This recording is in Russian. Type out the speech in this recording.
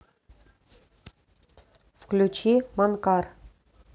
включи монкарт